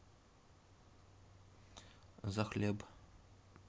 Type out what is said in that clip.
захлеб